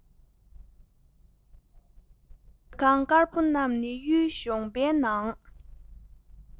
བོད ཁང དཀར པོ རྣམས ནི གཡུའི གཞོང པའི ནང